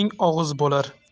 ming og'iz bo'lar